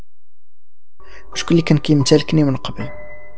لكن تركني من قبل